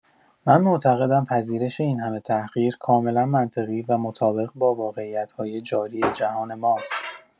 من معتقدم پذیرش این همه تحقیر کاملا منطقی و مطابق با واقعیت‌های جاری جهان ماست.